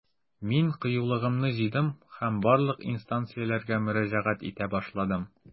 Мин кыюлыгымны җыйдым һәм барлык инстанцияләргә мөрәҗәгать итә башладым.